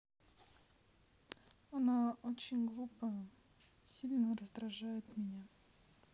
она очень глупая сильно раздражает меня